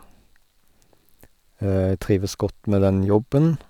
Trives godt med den jobben.